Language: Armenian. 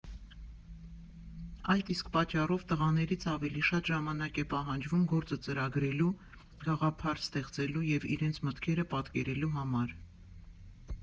Այդ իսկ պատճառով, տղաներից ավելի շատ ժամանակ է պահանջվում գործը ծրագրելու, գաղափար ստեղծելու և իրենց մտքերը պատկերելու համար։